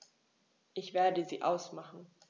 Ich werde sie ausmachen.